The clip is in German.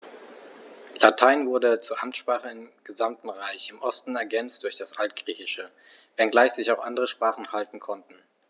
Latein wurde zur Amtssprache im gesamten Reich (im Osten ergänzt durch das Altgriechische), wenngleich sich auch andere Sprachen halten konnten.